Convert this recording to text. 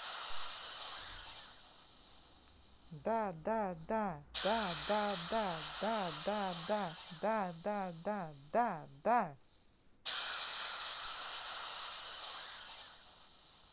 да да да да да да да да да да да да да да